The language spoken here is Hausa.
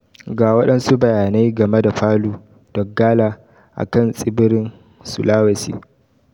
Ga wadansu bayanai game da Palu da Donggala, akan tsibirin Sulawesi: